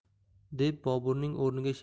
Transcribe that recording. deb boburning o'rniga